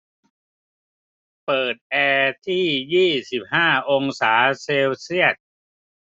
เปิดที่แอร์ยี่สิบห้าองศาเซลเซียส